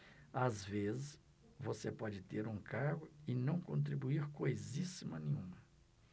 às vezes você pode ter um cargo e não contribuir coisíssima nenhuma